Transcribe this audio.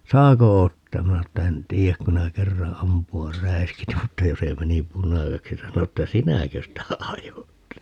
saako ottaa minä sanoin että en tiedä kun sinä kerran ampua räiskit mutta jo se meni punaiseksi sanoi että sinäkö sitä ajoit